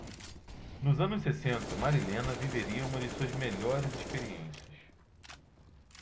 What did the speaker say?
nos anos sessenta marilena viveria uma de suas melhores experiências